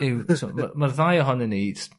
yw so' o ma' ma'r ddau ohonon ni js-